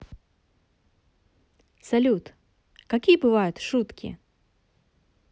салют какие бывают шутки